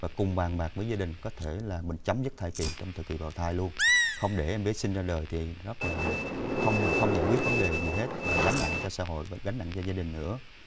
và cùng bàn bạc với gia đình có thể là mình chấm dứt thời kỳ trong thời kỳ bào thai luôn không để em bé sinh ra đời thì rất là không mình không giải quyết vấn đề gì hết và gánh nặng cho xã hội và gánh nặng cho gia đình nữa